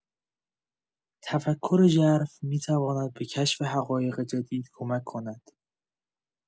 تفکر ژرف می‌تواند به کشف حقایق جدید کمک کند.